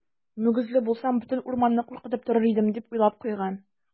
Мөгезле булсам, бөтен урманны куркытып торыр идем, - дип уйлап куйган.